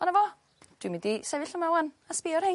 A 'na fo! Dwi'n mynd i sefyll yma ŵan a sbïo ar hein.